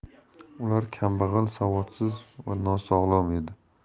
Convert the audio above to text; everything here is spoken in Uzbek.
ular kambag'al savodsiz va nosog'lom edi